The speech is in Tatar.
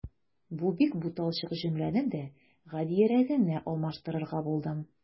Бу бик буталчык җөмләне дә гадиерәгенә алмаштырырга булдым.